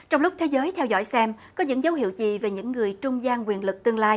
trong lúc thế giới theo dõi xem có những dấu hiệu gì về những người trung gian quyền lực tương lai